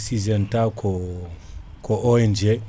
sygenta koo ko ONG